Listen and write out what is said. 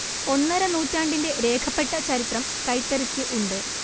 ഒന്നര നൂറ്റാണ്ടിന്റെ രേഖപ്പെട്ട ചരിത്രം കൈത്തറിക്ക് ഉണ്ട്